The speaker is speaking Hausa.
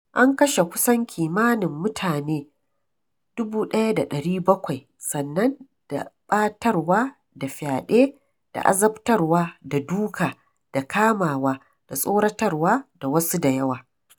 An kashe kusan kimanin mutane 1,700 sannan da ɓatarwa da fyaɗe da azabtarwa da duka da kamawa da tsoratar da wasu da yawa.